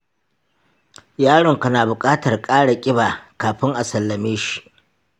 yaronka na buƙatar ƙara ƙiba kafin a sallame shi.